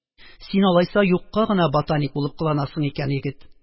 – син, алайса, юкка гына ботаник булып кыланасың икән, егет.